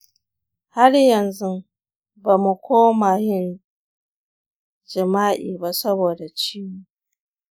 har yanzu ba mu koma yin jima’i ba saboda ciwo.